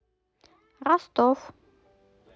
ростов